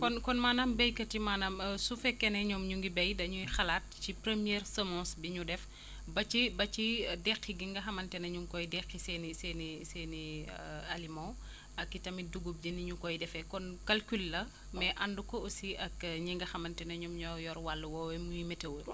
ko kon maanaam béykat yi maanaam su fekkee ne ñoom ñu ngi béy dañuy xalaat ci premier semence bi ñu def ba ci ba ci deqi gi nga xamante ne ñu ngi koy deqi seen i seen i seen i seen i amiments ak i tamit dugug ji ni énu koy defee kon calcul la mais ànd ko aussi ak ñi nga xamante ni ñoom ñoo yor wàllu woowee muy météo